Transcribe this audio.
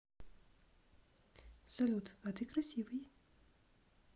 салют а ты красивый